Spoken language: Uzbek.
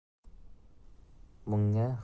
bunga ham xursand